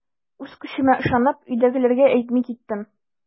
Үз көчемә ышанып, өйдәгеләргә әйтми киттем.